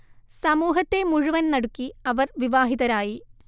സമൂഹത്തെ മുഴുവൻ നടുക്കി അവർ വിവാഹിതരായി